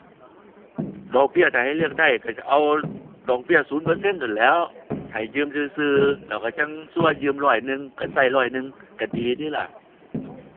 ดอกเบี้ยถ้าให้เลือกได้ก็สิเอาดอกเบี้ยศูนย์เปอร์เซ็นต์นั่นแหล้ว ถ้าให้ยืมซื่อซื่อแล้วก็จั่ง สมมุติว่ายืมร้อยหนึ่งก็ก็ร้อยหนึ่ง ก็ดีติล่ะ